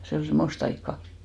se oli semmoista aikaa